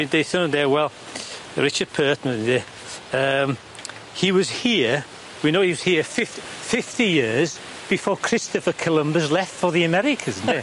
Fi'n deutho nw ynde wel Richard Pert ma' fe ydi yym he was here we know he was here fift- fifty years before Christopher Columbus left for the Americas ynde?